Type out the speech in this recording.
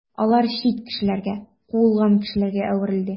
Алар чит кешеләргә, куылган кешеләргә әверелде.